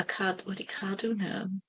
A cad-, wedi cadw nhw.